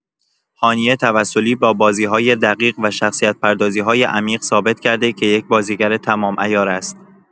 هانیه توسلی با بازی‌های دقیق و شخصیت‌پردازی‌های عمیق، ثابت کرده که یک بازیگر تمام‌عیار است.